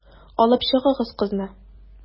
Алып чыгыгыз кызны.